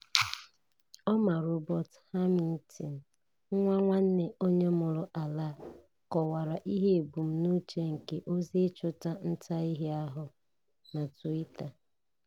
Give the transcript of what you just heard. Omar Robert Hamilton, nwa nwanne onye mụrụ Alaa, kọwara ihe ebumnuche nke oziịchụntaihe ahụ na Twitter: